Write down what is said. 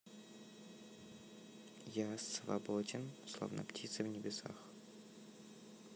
я свободен словно птица в небесах